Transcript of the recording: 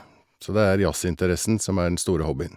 Så det er jazzinteressen som er den store hobbyen.